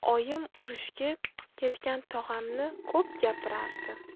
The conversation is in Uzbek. oyim urushga ketgan tog'amni ko'p gapirardi